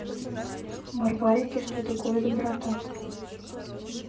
барбарики что такое доброта